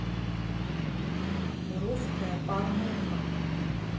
русская порнуха